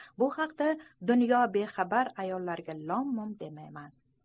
bu haqda dunyobexabar ayollarga lom mim demayman